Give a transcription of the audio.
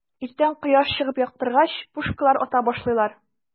Иртән кояш чыгып яктыргач, пушкалар ата башлыйлар.